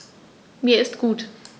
Mir ist gut.